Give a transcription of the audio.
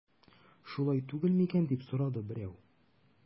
Шулай түгел микән дип сорады берәү.